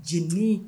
J duuru ye